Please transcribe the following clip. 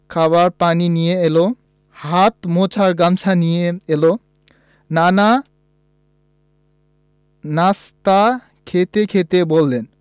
খাবার পানি নিয়ে এলো হাত মোছার গামছা নিয়ে এলো নানা নাশতা খেতে খেতে বললেন